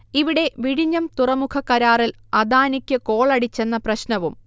ഇവിടെ വിഴിഞ്ഞം തുറമുഖക്കരാറിൽ അദാനിക്ക് കോളടിച്ചെന്ന പ്രശ്നവും